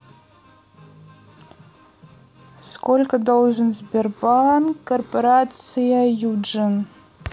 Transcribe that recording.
сколько должен сбербанк корпорация юджин